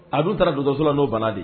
A dun taara donsosola n'o ban de